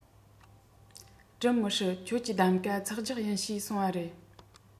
སྒྲུབ མི སྲིད ཁྱོད ཀྱིས གདམ ག འཚག རྒྱག ཡིན ཞེས གསུངས པ རེད